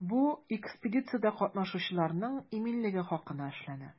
Бу экспедициядә катнашучыларның иминлеге хакына эшләнә.